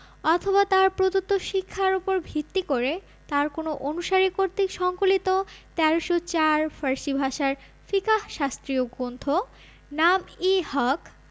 অথবা তাঁর প্রদত্ত শিক্ষার ওপর ভিত্তি করে তাঁর কোনো অনুসারী কর্তৃক সংকলিত ১৩০৪ ফার্সি ভাষার ফিকাহ শাস্ত্রীয় গ্রন্থ নাম ই হক